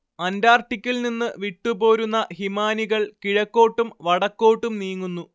അന്റാർട്ടിക്കിൽനിന്ന് വിട്ടുപോരുന്ന ഹിമാനികൾ കിഴക്കോട്ടും വടക്കോട്ടും നീങ്ങുന്നു